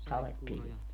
sadepilvi